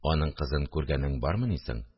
Аның кызын күргәнең бармыни соң